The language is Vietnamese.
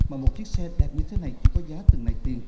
mà một chiếc xe đẹp như thế này chỉ có giá từng này tiền